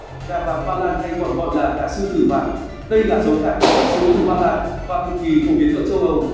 gà vàng ba lan hay còn gọi là gà sư tử vàng đây là giống gà có xuất xứ từ ba lan và cực kỳ phổ biến ở châu âu